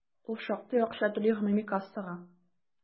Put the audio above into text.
Ул шактый акча түли гомуми кассага.